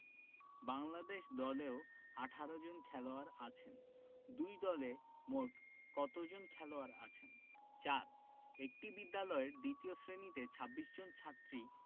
বাংলাদেশ দলেও ১৮ জন খেলোয়াড় আছেন দুই দলে মোট কতজন খেলোয়াড় আছেন ৪ একটি বিদ্যালয়ের দ্বিতীয় শ্রেণিতে ২৬ জন ছাত্রী